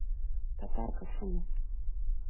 татарка фм